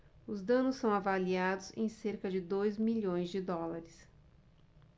os danos são avaliados em cerca de dois milhões de dólares